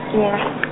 nyaa .